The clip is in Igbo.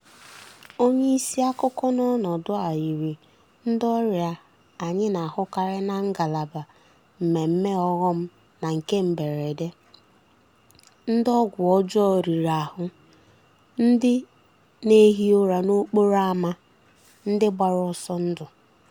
Onye isi akụkọ n'ọnọdụ a yiri ndị ọrịa anyị na-ahụkarị na ngalaba mmemme ọghọm na nke mberede – ndị ọgwụ ọjọọ riri ahụ, ndị na-ehi ụra n'okporo ámá, ndị gbara ọsọ ndụ.